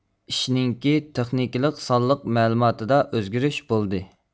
ئىشىنىڭكى تېخنىكىلىق سانلىق مەلۇماتىدا ئۆزگىرىش بولدى